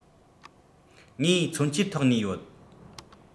ངས མཚོན ཆའི ཐོག ནས ཡོད